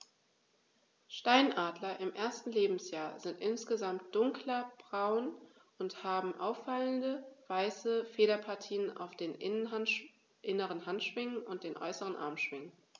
Steinadler im ersten Lebensjahr sind insgesamt dunkler braun und haben auffallende, weiße Federpartien auf den inneren Handschwingen und den äußeren Armschwingen.